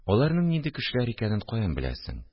– аларның нинди кешеләр икәнен каян беләсең